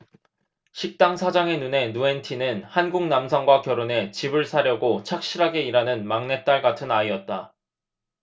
식당 사장의 눈에 누엔티는 한국 남성과 결혼해 집을 사려고 착실하게 일하는 막내딸 같은 아이였다